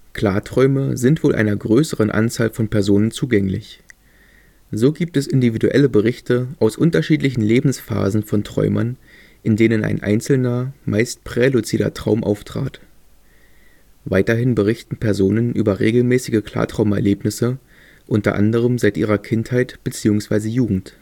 Klarträume sind wohl einer größeren Anzahl von Personen zugänglich. So gibt es individuelle Berichte aus unterschiedlichen Lebensphasen von Träumern, in denen ein einzelner, meist prä-luzider Traum auftrat. Weiterhin berichten Personen über regelmäßige Klartraumerlebnisse u. a. seit ihrer Kindheit bzw. Jugend